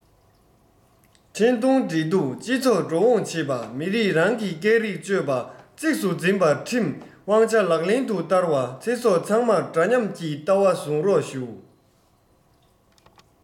འཕྲིན གཏོང འབྲེལ གཏུག སྤྱི ཚོགས འགྲོ འོང བྱེད པ མི རིགས རང གི སྐད རིགས སྤྱོད པ གཙིགས སུ འཛིན པར ཁྲིམས དབང ཆ ལག ལེན དུ བསྟར བ ཚེ སྲོག ཚང མར འདྲ མཉམ གྱི ལྟ བ བཟུང རོགས ཞུ